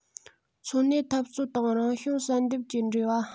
འཚོ གནས འཐབ རྩོད དང རང བྱུང བསལ འདེམས ཀྱི འབྲེལ བ